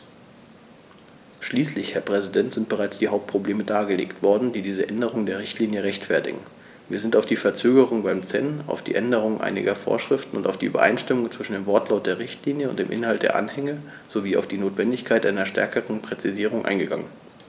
Schließlich, Herr Präsident, sind bereits die Hauptprobleme dargelegt worden, die diese Änderung der Richtlinie rechtfertigen, wir sind auf die Verzögerung beim CEN, auf die Änderung einiger Vorschriften, auf die Übereinstimmung zwischen dem Wortlaut der Richtlinie und dem Inhalt der Anhänge sowie auf die Notwendigkeit einer stärkeren Präzisierung eingegangen.